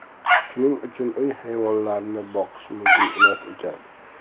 shuning uchun uy hayvonlarini boqish mumkin emas ekan